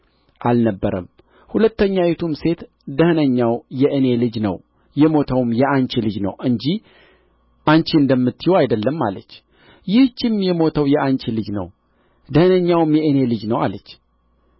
አልነበረም ሁለተኛይቱም ሴት ደኅነኛው የኔ ልጅ ነው የሞተውም የአንቺ ልጅ ነው እንጂ አንቺ እንደምትዪው አይደለም አለች ይህችም የሞተው የአንቺ ልጅ ነው ደኅነኛውም የእኔ ልጅ ነው አለች